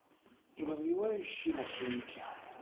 развивающие машинки